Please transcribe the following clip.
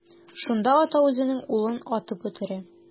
Шунда ата үзенең улын атып үтерә.